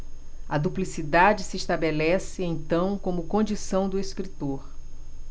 a duplicidade se estabelece então como condição do escritor